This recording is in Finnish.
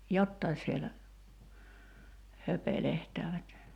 jotakin siellä höpelehtävät